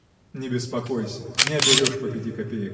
— Не беспокойся, не оберешь по пяти копеек.